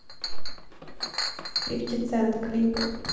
фифти цент клипы